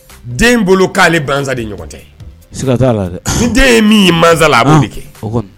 Den bolo k'ale gansa de ɲɔgɔn cɛ den min masala a b' de kɛ